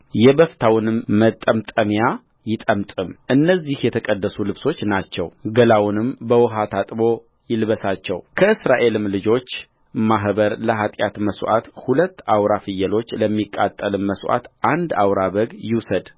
የበፍታውንም መጠምጠሚያ ይጠምጥም እነዚህ የተቀደሱ ልብሶች ናቸው ገላውንም በውኃ ታጥቦ ይልበሳቸውከእስራኤልም ልጆች ማኅበር ለኃጢአት መሥዋዕት ሁለት አውራ ፍየሎች ለሚቃጠልም መሥዋዕት አንድ አውራ በግ ይውሰድ